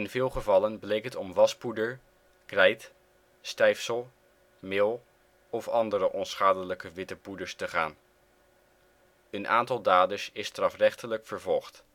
veel gevallen bleek het om waspoeder, krijt, stijfsel, meel of andere onschadelijke witte poeders te gaan. Een aantal daders is strafrechtelijk vervolgd